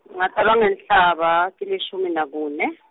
Ngatalwa ngeNhlaba tilishumi nakune.